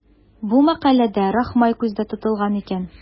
Бу мәкаләдә Рахмай күздә тотылган икән.